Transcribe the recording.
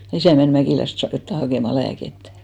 ja isä meni Mäkilästä saakka jotakin hakemaan lääkettä